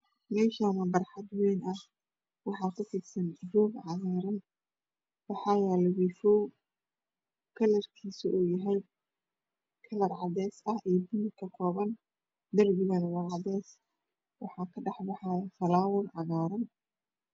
Halkan waa hool weyan wax kufidsan roog cagaran waxaa yalo wifow wax kuyalo geed